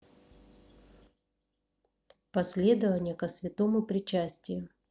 последование ко святому причастию